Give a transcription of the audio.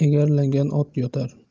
egarlangan ot yotar